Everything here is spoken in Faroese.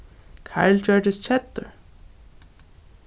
karl gjørdist keddur